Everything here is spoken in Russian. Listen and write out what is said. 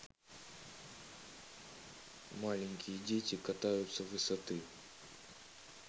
маленькие дети катаются высоты